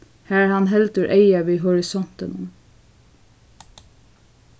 har hann heldur eyga við horisontinum